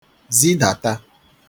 zidàta